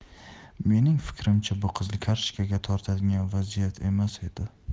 meni fikrimcha bu qizil kartochkaga tortadigan vaziyat emas edi